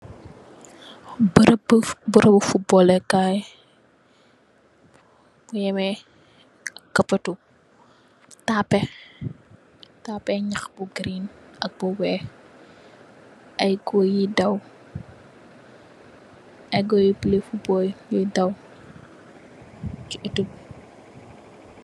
Mburëbu, mburëbu footballèkaay, mungi ameh kapètu tapè, tapè nëh bu green ak bu weeh. Ay gòor yi daw, ay gòor yi play football yi daw chi atë bi.